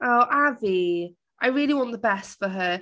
O a fi. I really want the best for her.